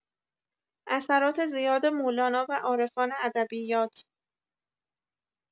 اثرات زیاد مولانا و عارفان ادبیات!